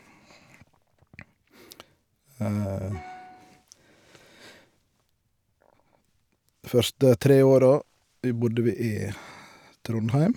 Første tre åra i bodde vi i Trondheim.